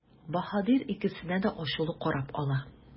Баһадир икесенә дә ачулы карап ала.